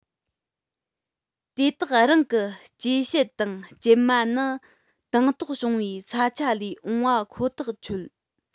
དེ དག རང གི སྐྱེ བྱེད དང སྐྱེད མ ནི དང ཐོག བྱུང བའི ས ཆ ལས འོངས པ ཁོ ཐག ཆོད